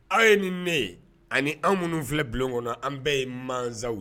Aw ye ni ne ye ani an minnu filɛ bulon kɔnɔ an bɛɛ ye masaw ye